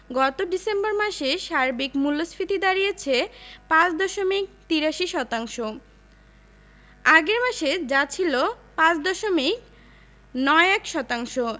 গত ডিসেম্বর মাসে সার্বিক মূল্যস্ফীতি দাঁড়িয়েছে ৫ দশমিক ৮৩ শতাংশ আগের মাসে যা ছিল ৫ দশমিক ৯ ১ শতাংশ